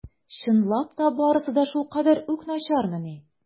Чынлап та барысы да шулкадәр үк начармыни?